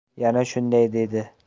yana shunday dedi